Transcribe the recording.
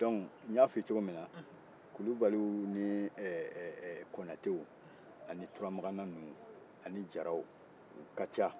dɔnku i y'a f'i ɲɛna cogo minna kulubaliw ani konatew ani turamakanna nunu ani jaaraw u ka ca